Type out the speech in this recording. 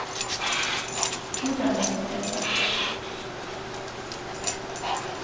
hvítanesvegur